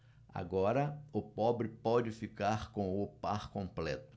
agora o pobre pode ficar com o par completo